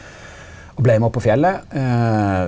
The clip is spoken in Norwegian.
og blei med opp på fjellet .